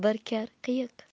bir kar qiyiq